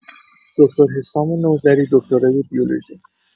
دکتر حسام نوذری دکترای بیولوژی